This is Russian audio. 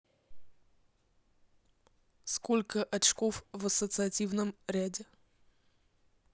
сколько очков в ассоциативном ряде